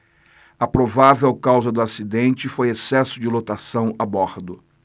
a provável causa do acidente foi excesso de lotação a bordo